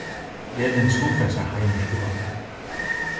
elin skundaði sær heim úr skúlanum